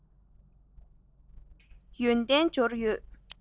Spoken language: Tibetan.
ཡོན ཏན འབྱོར ཡོད